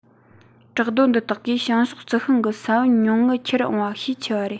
བྲག རྡོ འདི དག གིས བྱང ཕྱོགས རྩི ཤིང གི ས བོན ཉུང ངུ ཁྱེར འོངས པ ཤས ཆེ བ རེད